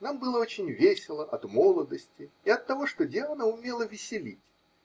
нам было очень весело от молодости и от того, что Диана умела веселить.